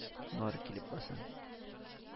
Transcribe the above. Нора килеп баса